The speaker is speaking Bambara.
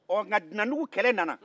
ɔɔ nka dunandugu kɛlɛ nana